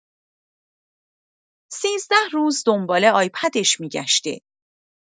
سیزده روز دنبال آیپدش می‌گشته.